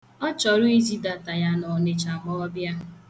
Ọ chọrọ izidata ya Ọnịcha ma ọ bịa.